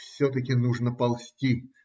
Все-таки нужно ползти.